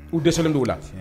U dɛsɛ' u la